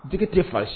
Jigi tɛ fa